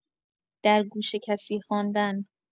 در گوش کسی خواندن